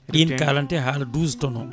ɗin kalante haala douze tonnes o